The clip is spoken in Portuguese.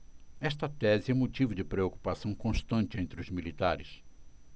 esta tese é motivo de preocupação constante entre os militares